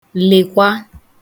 lèkwa